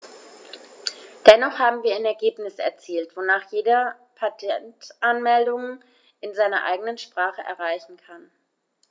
Dennoch haben wir ein Ergebnis erzielt, wonach jeder Patentanmeldungen in seiner eigenen Sprache einreichen kann.